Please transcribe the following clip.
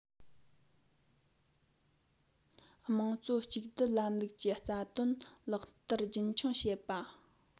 དམངས གཙོ གཅིག སྡུད ལམ ལུགས ཀྱི རྩ དོན ལག བསྟར རྒྱུན འཁྱོངས བྱེད པ